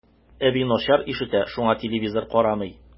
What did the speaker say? Әби начар ишетә, шуңа телевизор карамый.